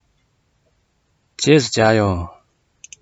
རྗེས སུ མཇལ ཡོང